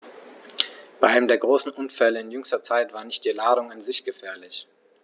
Bei einem der großen Unfälle in jüngster Zeit war nicht die Ladung an sich gefährlich.